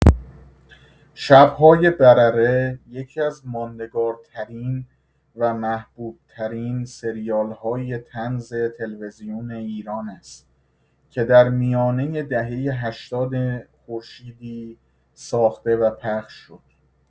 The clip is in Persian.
شب‌های برره یکی‌از ماندگارترین و محبوب‌ترین سریال‌های طنز تلویزیون ایران است که در میانه دهه هشتاد خورشیدی ساخته و پخش شد.